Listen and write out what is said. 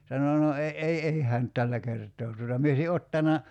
sanoi no ei ei ei hän nyt tällä kertaa tuota minä olisin ottanut